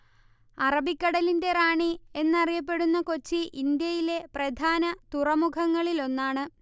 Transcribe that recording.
അറബിക്കടലിന്റെ റാണി എന്നറിയപ്പെടുന്ന കൊച്ചി ഇന്ത്യയിലെ പ്രധാന തുറമുഖങ്ങളിലൊന്നാണ്